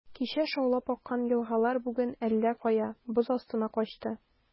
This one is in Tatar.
Кичә шаулап аккан елгалар бүген әллә кая, боз астына качты.